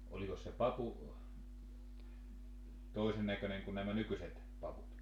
olikos se papu toisen näköinen kuin nämä nykyiset pavut